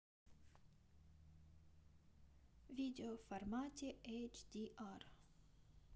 видео в формате эйч ди ар